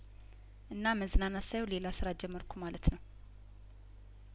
እና መዝናናት ሳይሆን ሌላ ስራ ጀመርኩ ማለት ነው